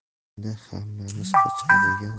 ko'rganda hammamiz qochadigan